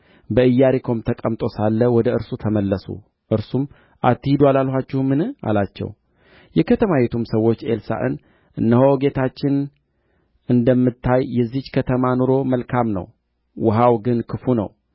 እርሱም አትስደዱ አላቸው እስኪያፍርም ድረስ ግድ ባሉት ጊዜ ስደዱ አለ አምሳም ሰዎች ሰደዱ ሦስት ቀንም ፈልገው አላገኙትም